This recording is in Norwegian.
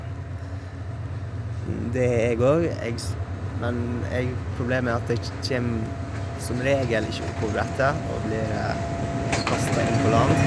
Det er jeg òg, jeg s men jeg problemet er at jeg ikke kjem som regel ikke opp på brettet og blir kasta inn på land.